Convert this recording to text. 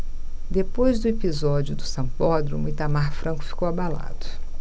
depois do episódio do sambódromo itamar franco ficou abalado